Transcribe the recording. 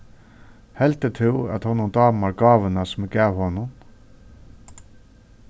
heldur tú at honum dámar gávuna sum eg gav honum